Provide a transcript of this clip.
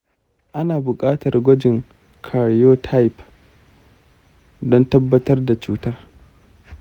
ana buƙatar gwajin karyotype don tabbatar da cutar.